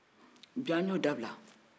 bi an yo dabila